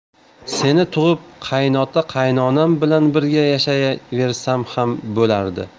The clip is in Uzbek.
seni tug'ib qaynota qaynonam bilan birga yashayversam ham bo'lardi